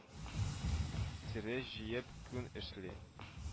Тире җыеп күн эшли